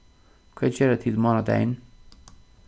hvat gera tit mánadagin